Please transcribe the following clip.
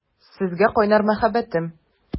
Сезгә кайнар мәхәббәтем!